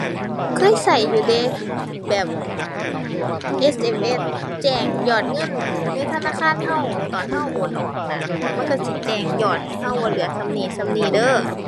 เคยใช้อยู่เดะ แบบ SMS แจ้งยอดเงินในธนาคารใช้ตอนใช้โอนออกน่ะ มันใช้สิแจ้งยอดของใช้ว่าเหลือส่ำนี้ส่ำนี้เด้อ